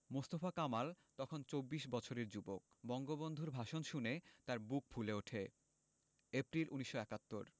মোস্তফা কামাল তখন চব্বিশ বছরের যুবক বঙ্গবন্ধুর ভাষণ শুনে তাঁর বুক ফুলে ওঠে এপ্রিল ১৯৭১